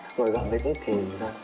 rồi cảm thấy cũng kỳ vậy ta